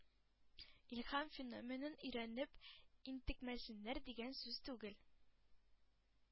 Илһам феноменын өйрәнеп интекмәсеннәр дигән сүз түгел,